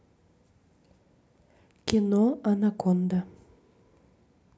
кино анаконда